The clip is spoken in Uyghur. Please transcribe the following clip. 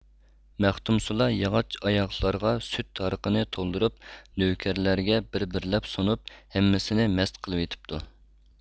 مەختۇمسۇلا ياغاچ ئاياغلارغا سۈت ھارىقىنى تولدۇرۇپ نۆۋكەرلەرگە بىر بىرلەپ سۇنۇپ ھەممىسىنى مەست قىلىۋېتىپتۇ